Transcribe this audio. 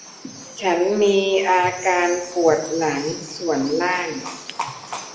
ฉันมีอาการปวดหลังส่วนล่าง